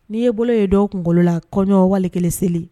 N'i ye bolo ye dɔ kunkolo la kɔɲɔ waa kelen seli